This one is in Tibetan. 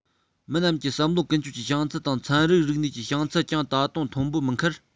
མི རྣམས ཀྱི བསམ བློའི ཀུན སྤྱོད ཀྱི བྱང ཚད དང ཚན རིག རིག གནས ཀྱི བྱང ཚད ཀྱང ད དུང མཐོན པོ མིན ཁར